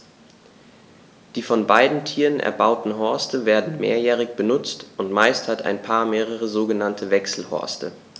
Die von beiden Tieren erbauten Horste werden mehrjährig benutzt, und meist hat ein Paar mehrere sogenannte Wechselhorste.